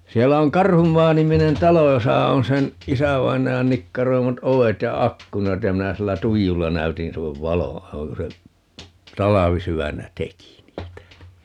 siellä on - Karhunmaa-niminen talo jossa on sen isävainajan nikkaroimat ovet ja ikkunat ja minä sillä tuijulla näytin sille valoa noin kun se talvisydämenä teki niitä -